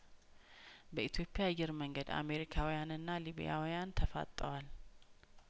በኢትዮጵያ አየር መንገድ አሜሪካውያንና ሊቢያውያን ተፋጠዋል